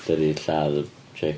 'Di o 'di lladd y chick?